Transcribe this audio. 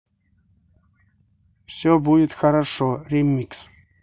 все будет хорошо ремикс